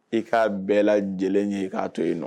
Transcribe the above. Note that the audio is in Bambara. I k'a bɛɛ lajɛlen ye k'a to yen nɔ